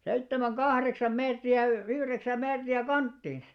seitsemän kahdeksan metriä - yhdeksän metriä kanttiinsa